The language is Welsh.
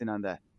yna ynde?